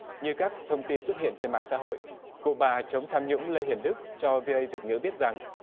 như các thông tin xuất hiện trên mạng xã hội cụ bà chống tham nhũng lê hiền đức cho vi ây việt ngữ biết rằng